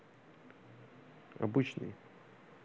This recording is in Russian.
обычный